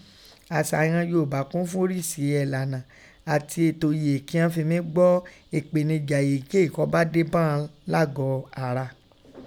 Asa ìghọn Yoòba kun fun orísìí ẹ̀lana ati eto yèé kíghọ́n fi mí gbọ ẹpenija èhíikéyìí kọ́ ba de bá ọn lágọ̀ọ́ ara.